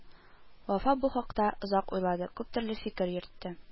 Вафа бу хакта озак уйлады, күптөрле фикер йөртте